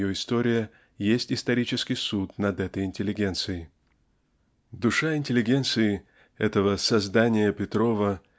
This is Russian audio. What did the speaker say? ее история есть исторический суд над этой интеллигенцией. Душа интеллигенции этого создания Петрова